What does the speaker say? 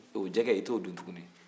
o jɛgɛ i t'o dun tugunni